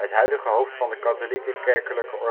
huidige hoofd van de katholieke kerkelijke